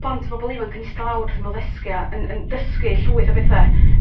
plant a bobol ifanc yn ista lawr wrth ymyl ddesgia yn yn dysgu llwyth o bethe